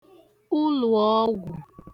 ulùòọgwụ̀